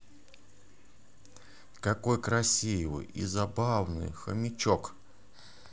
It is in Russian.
забавный хомяк